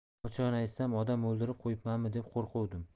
ochig'ini aytsam odam o'ldirib qo'yibmanmi deb qo'rquvdim